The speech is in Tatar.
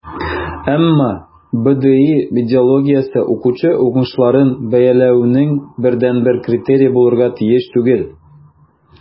Әмма БДИ идеологиясе укучы уңышларын бәяләүнең бердәнбер критерие булырга тиеш түгел.